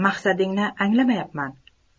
maqsadingni anglamayapman